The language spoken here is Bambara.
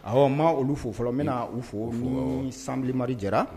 Ɔ maa olu fo fɔlɔ bɛna na u fo furu sanbi mariri jɛra